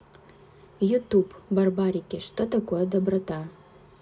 youtube барбарики что такое доброта